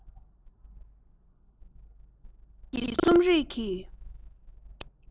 ཁྱོད ཀྱིས རྩོམ རིག གི